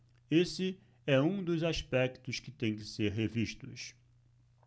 esse é um dos aspectos que têm que ser revistos